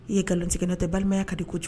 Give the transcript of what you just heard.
I ye nkalontigɛna tɛ balimaya ka di ko cɛ